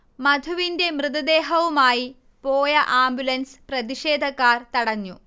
മധുവിന്റെ മൃതദേഹവുമായി പോയ ആംബുലൻസ് പ്രതിഷേധക്കാർ തടഞ്ഞു